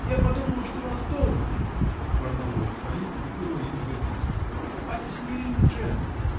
я подумал, что вас дома нет, -- промолвил старик и подал ему записку. -- От синьорины Джеммы .